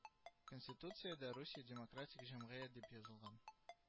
Конституциядә Русия демократик җәмгыять дип язылган